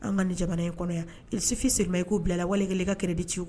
An ka ni jamana in kɔnɔ yan i fi sigi ye k'u bila lawale kelen i ka kɛlɛbi ci kan